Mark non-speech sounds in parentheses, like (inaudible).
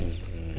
(hesitation) (hesitation)